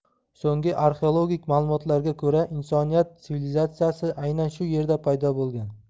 so'nggi arxeologik malumotlarga ko'ra insoniyat sivilizatsiyasi aynan shu yerda paydo bo'lgan